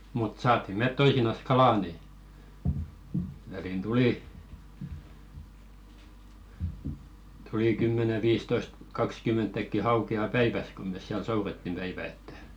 mutta saatiin me toisinaan kalaa niin väliin tuli tuli kymmenen viisitoista kaksikymmentäkin haukea päivässä kun me siellä soudettiin päivä että